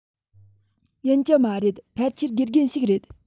ཡིན གྱི མ རེད ཕལ ཆེར དགེ རྒན ཞིག རེད